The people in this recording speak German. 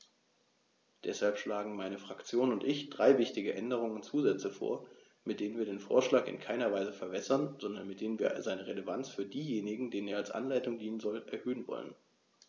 Deshalb schlagen meine Fraktion und ich drei wichtige Änderungen und Zusätze vor, mit denen wir den Vorschlag in keiner Weise verwässern, sondern mit denen wir seine Relevanz für diejenigen, denen er als Anleitung dienen soll, erhöhen wollen.